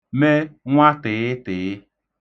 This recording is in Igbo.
me nwatị̀ịtị̀ị